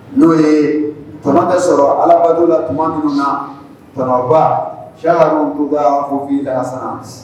N'o ye tuma bɛ sɔrɔ Alabato la tuma minnu na